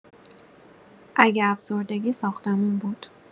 اگه افسردگی ساختمون بود